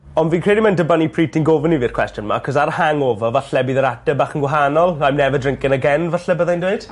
Ond fi'n credu ma'n dibynnu pryd ti'n gofyn i fi'r cwestiwn 'ma 'c'os ar hangover falle bydd yr ateb bach yn wahanol I'm never drinking again falle byddai'n dweud.